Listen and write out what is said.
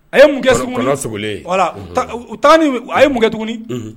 A ye mun kɛ segu kunna segu u taa ni a ye munkɛ tuguni